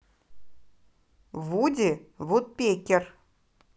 вуди вудпекер